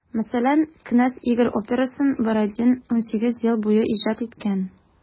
Мәсәлән, «Кенәз Игорь» операсын Бородин 18 ел буе иҗат иткән.